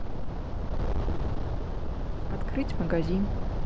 открыть магазин